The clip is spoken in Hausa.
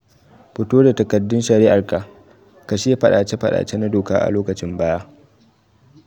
Fito da takaddun shari’ar ka: Kashe fadace-fadace na doka a lokacin baya.